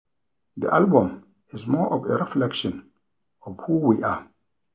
The album is more of a reflection of who we are."